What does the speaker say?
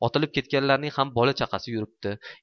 otilib ketganlarning ham bola chaqasi yuribdi